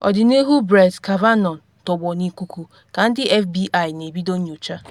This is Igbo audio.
Ọdịnihu Brett Kavanaugh tọgbọ n’ikuku ka ndị FBI na ebido nyocha